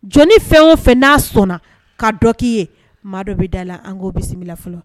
Jɔnni fɛn o fɛ n'a sɔnna ka dɔ k'i ye maa dɔ bɛ da la an k'o bisimila bisimila fɔlɔ